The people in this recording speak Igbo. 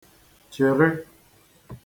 chịrị